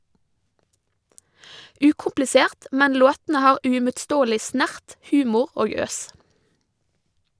Ukomplisert, men låtene har uimotståelig snert, humor og øs.